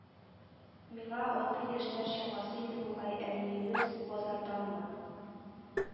Миңа алты яшьләр чамасы иде бугай, әниебез базарданмы,